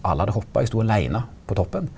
alle hadde hoppa og eg stod aleine på toppen.